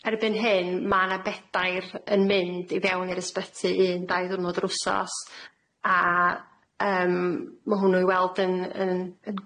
Erbyn hyn ma' na bedair yn mynd i fewn i'r ysbyty un dau ddwrnod yr wsos a yym ma' hwnnw i weld yn- yn- yn